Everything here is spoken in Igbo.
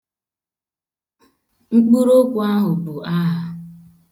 Mkpụrụokwu ahụ bụ aha.